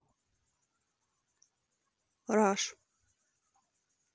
rush